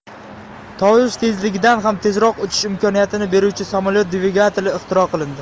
tovush tezligidan ham tezroq uchish imkoniyatini beruvchi samolyot dvigateli ixtiro qilindi